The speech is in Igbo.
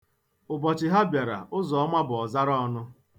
Ụbọchị ha bịara, Ụzọma bụ ọzaraọnụ.